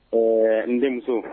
Ɛɛ n denmuso